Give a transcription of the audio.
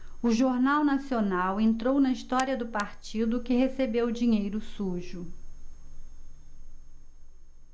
o jornal nacional entrou na história do partido que recebeu dinheiro sujo